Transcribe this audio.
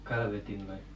kalvetin vai